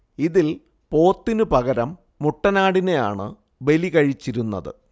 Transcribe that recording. ഇതിൽ പോത്തിനു പകരം മുട്ടനാടിനെയാണ് ബലി കഴിച്ചിരുന്നതു